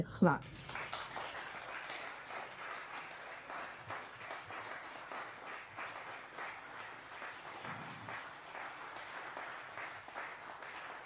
Dioch y' fawr.